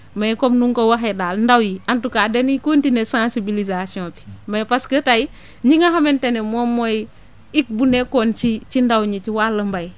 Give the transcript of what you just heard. mais comme nu nga ko waxee daal ndaw yi en tout cas dañuy continuer sensibilisation bi mais parce que tey ñi nga xamante ne moom mooy hic bi nekkoon ci ci ndaw ñi wàllu mbéy